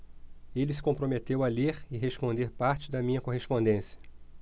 ele se comprometeu a ler e responder parte da minha correspondência